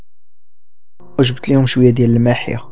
ايش بك اليوم شويه